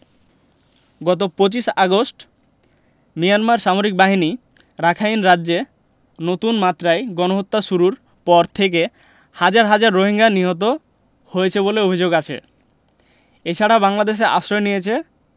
গত ২৫ August Myanmar সামরিক বাহিনী রাখাইন রাজ্যে নতুন মাত্রায় গণহত্যা শুরুর পর থেকে হাজার হাজার রোহিঙ্গা নিহত হয়েছে বলে অভিযোগ আছে এ ছাড়া বাংলাদেশে আশ্রয় নিয়েছে